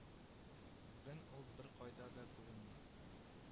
Бүген ул беркайда да күренми